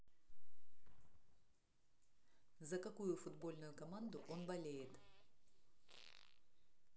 за какую футбольную команду он болеет